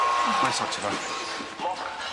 Na'i sortio fo.